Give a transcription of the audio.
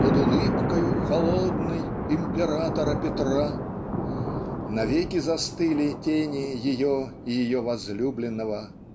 под улыбкою холодной императора Петра" навеки застыли тени ее и ее возлюбленного.